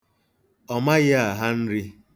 Ọ maghị aha nri.